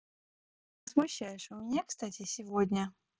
ты меня смущаешь у меня кстати сегодня